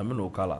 An bɛ'o' la